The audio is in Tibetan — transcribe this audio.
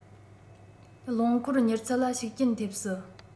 རློང འཁོར མྱུར ཚད ལ ཤུགས རྐྱེན ཐེབས སྲིད